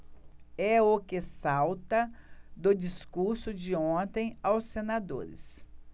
é o que salta do discurso de ontem aos senadores